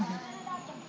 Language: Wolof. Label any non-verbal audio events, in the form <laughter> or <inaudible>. <hesitation> <hesitation> <crosstalk>